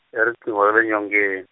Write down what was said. e riqingo ra le nyongen-.